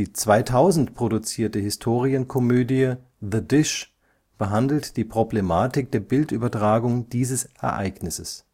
2000 produzierte Historienkomödie The Dish behandelt die Problematik der Bildübertragung dieses Ereignisses